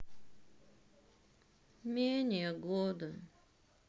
менее года